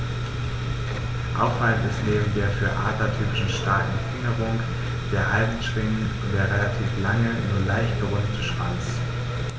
Auffallend ist neben der für Adler typischen starken Fingerung der Handschwingen der relativ lange, nur leicht gerundete Schwanz.